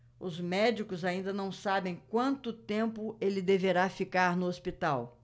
os médicos ainda não sabem quanto tempo ele deverá ficar no hospital